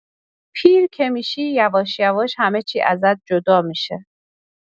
پیر که می‌شی، یواش‌یواش همه‌چی ازت جدا می‌شه.